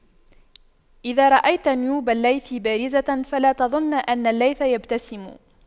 إذا رأيت نيوب الليث بارزة فلا تظنن أن الليث يبتسم